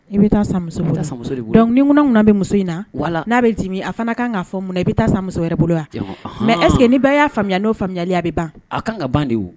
I be taa san muso bolo i be taa san muso de bolo donc ni ŋunanŋunan bɛ muso in na voilà n'a be dimi a fana kaan ka fɔ munna i be taa san muso wɛrɛ bolo a jɔŋɔ ɔnhɔnn mais est ce que ni bɛ y'a faamuya n'o faamuyali ye a be ban a kan ka ban de o